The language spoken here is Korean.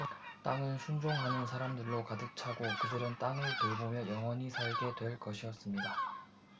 땅은 순종하는 사람들로 가득 차고 그들은 땅을 돌보며 영원히 살게 될 것이었습니다